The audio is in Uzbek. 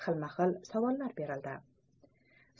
xilma xil savollar berildi